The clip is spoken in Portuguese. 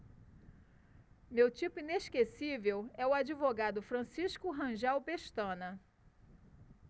meu tipo inesquecível é o advogado francisco rangel pestana